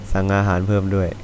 สั่งอาหารเพิ่มด้วย